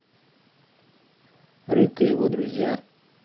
рык и его друзья